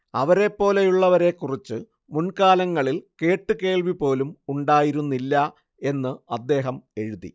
അവരെപ്പോലെയുള്ളവരെക്കുറിച്ച് മുൻകാലങ്ങളിൽ കേട്ടുകേൾവി പോലും ഉണ്ടായിരുന്നില്ല എന്ന് അദ്ദേഹം എഴുതി